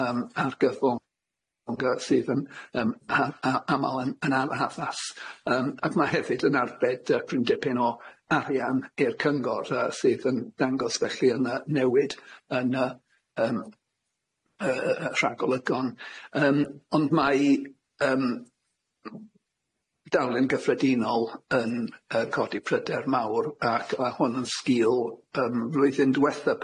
yym argyfwng, yy sydd yn yym a- a- aml yn anaddas yym ac ma' hefyd yn arbed yy cryn dipyn o arian i'r cyngor yy sydd yn dangos felly yn yy newid yn y yym yy yy yy rhagolygon yym ond mae yym dalrun gyffredinol yn yy codi pryder mawr ac ma' hwn yn sgil yym flwyddyn dwetha